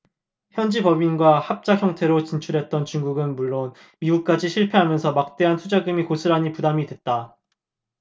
현지법인과 합작형태로 진출했던 중국은 물론 미국까지 실패하면서 막대한 투자금이 고스란히 부담이 됐다